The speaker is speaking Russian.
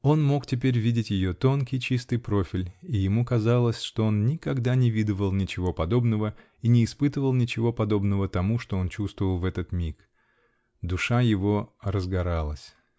Он мог теперь видеть ее тонкий, чистый профиль, и ему казалось, что он никогда не видывал ничего подобного и не испытывал ничего подобного тому, что он чувствовал в этот миг. Душа его разгоралась.